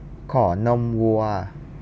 ขอนมวัว